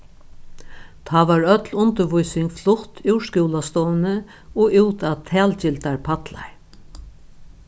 tá varð øll undirvísing flutt úr skúlastovuni og út á talgildar pallar